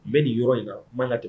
N bɛ nin yɔrɔ in na mana la de